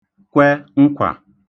kwẹ nkwà